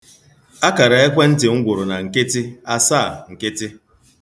Akara ekwentị m gwụrụ na nkịtị, asaa, nkịtị.